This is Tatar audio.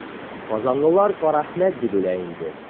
Казанлылар Карәхмәт дип үлә инде.